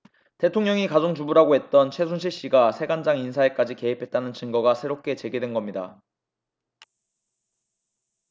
대통령이 가정주부라고 했던 최순실씨가 세관장 인사에까지 개입했다는 증거가 새롭게 제기된겁니다